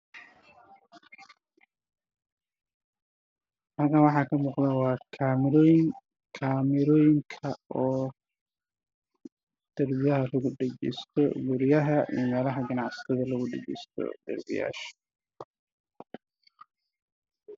Halkaan waxaa ka muuqdo camerada lagu dhajiyo meelaha ganacsiga iyo guryaha